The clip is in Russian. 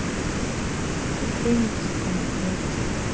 кукрыниксы концерт